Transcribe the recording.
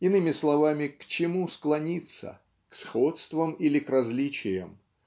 Иными словами, к чему склониться - к сходствам или к различиям?